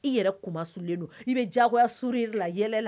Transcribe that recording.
I yɛrɛ kunslen don i bɛ diyagoya s i la yɛlɛ la